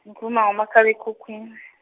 ngikhuluma ngomakhalekhukhwini.